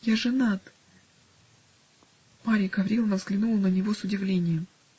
я женат!" Марья Гавриловна взглянула на него с удивлением.